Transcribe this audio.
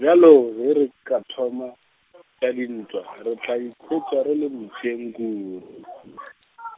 bjalo ge re ka thoma , tša dintwa, re tla ikhwetša re le mpšeng ku- .